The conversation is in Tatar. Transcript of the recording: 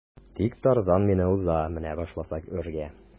Тик Тарзан мине уза менә башласак үргә.